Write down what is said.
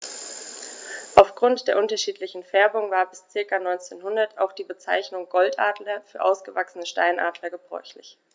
Auf Grund der unterschiedlichen Färbung war bis ca. 1900 auch die Bezeichnung Goldadler für ausgewachsene Steinadler gebräuchlich.